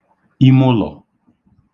imụlọ̀